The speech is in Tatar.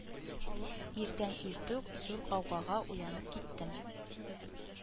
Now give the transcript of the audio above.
Иртән иртүк зур гаугага уянып киттем